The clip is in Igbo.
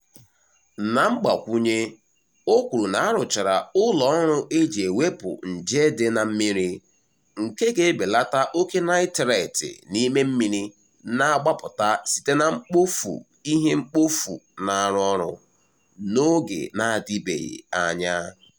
Na mgbakwụnye, o kwuru na a rụchara ụlọọrụ e ji ewepụ nje dị na mmiri, nke ga-ebelata oke naịtreeti n'ime mmiri na-agbapụta site na mkpofu ihe mkpofu na-arụ ọrụ, n'oge na-adịbeghị anya.